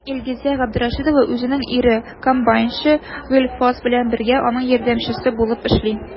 Илгизә Габдрәшитова үзенең ире комбайнчы Гыйльфас белән бергә, аның ярдәмчесе булып эшли.